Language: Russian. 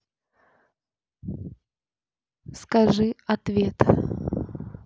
скажи ответ